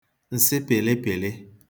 ǹsị pị̀lịpị̀lị